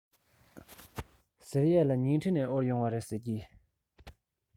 ཟེར ཡས ལ ཉིང ཁྲི ནས དབོར ཡོང བ རེད ཟེར གྱིས